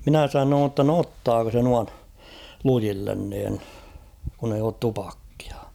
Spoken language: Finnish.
minä sanoin jotta no ottaako se noin lujille niin kun ei ole tupakkia